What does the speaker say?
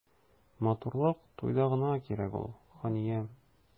Матурлык туйда гына кирәк ул, ханиям.